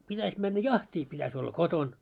pitäisi mennä jahtiin pitäisi olla kotona